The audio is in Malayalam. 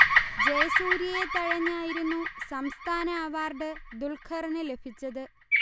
ജയസൂര്യയെ തഴഞ്ഞായിരുന്നു സംസ്ഥാന അവാർഡ് ദുൽഖറിനു ലഭിച്ചത്